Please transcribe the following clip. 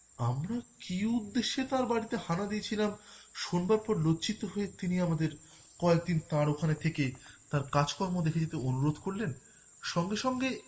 আমরা কি উদ্দেশ্য তার বাড়িতে হানা দিয়ে ছিলাম শুনবার পর লজ্জিত হয়ে তিনি আমাদের কয়েকদিন তার ওখান থেকে তার কাজকর্ম দেখে যেতে অনুরোধ করলেন সঙ্গে সঙ্গে